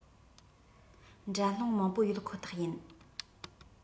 འགྲན སློང མང པོ ཡོད ཁོ ཐག ཡིན